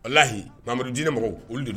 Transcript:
Walahi, Mohamadu diinɛ mɔgɔw, olu de